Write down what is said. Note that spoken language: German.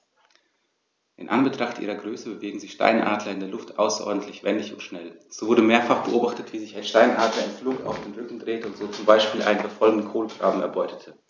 In Anbetracht ihrer Größe bewegen sich Steinadler in der Luft außerordentlich wendig und schnell, so wurde mehrfach beobachtet, wie sich ein Steinadler im Flug auf den Rücken drehte und so zum Beispiel einen verfolgenden Kolkraben erbeutete.